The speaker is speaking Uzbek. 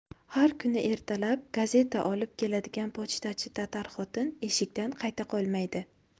har kuni ertalab gazeta olib keladigan pochtachi tatar xotin eshikdan qayta qolmaydi